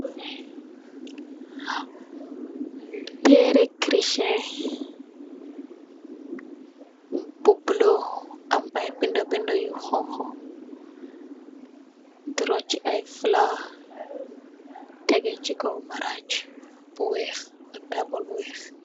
Tere Christian bu bule am ai bindi bindi yu xonxu, draw ci ai flower tege ci kaw maraj bu weex ak tabul bu weex.